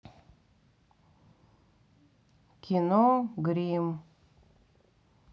кино гримм